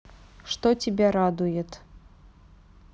что тебя радует